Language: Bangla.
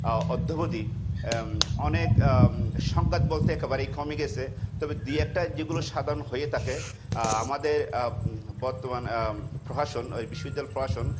অদ্যাবধি সংঘাত বলতে একেবারেই কমে গেছে তবে দুই একটা যদি সাধারন হয়ে থাকে আমাদের বর্তমান প্রশাসন বিশ্ববিদ্যালয় প্রশাসন